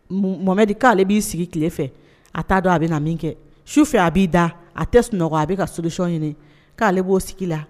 Mɔmɛ k'ale b'i sigi tile fɛ a t'a dɔn a bɛ min kɛ su fɛ a b'i da a tɛ sunɔgɔ a bɛ ka sodisi ɲini k'ale b'o sigi la